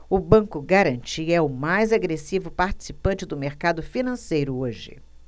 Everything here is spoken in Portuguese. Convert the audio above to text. o banco garantia é o mais agressivo participante do mercado financeiro hoje